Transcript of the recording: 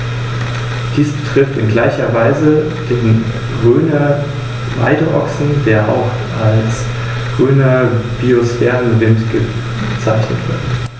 Gerade die Sklaverei spielte im Rahmen der römischen Wirtschaft eine wichtige Rolle, wobei die Sklaven zu ganz unterschiedlichen Tätigkeiten herangezogen wurden, aber gleichzeitig die Möglichkeit bestand, dass sie ihre Freiheit zurückerlangen konnten.